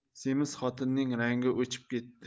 semiz xotinning rangi o'chib ketdi